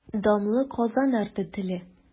Данлы Казан арты теле.